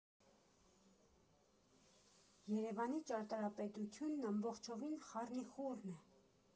Երևանի ճարտարապետությունն ամբողջովին խառնիխուռն է.